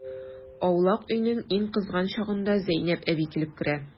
Аулак өйнең иң кызган чагында Зәйнәп әби килеп керә.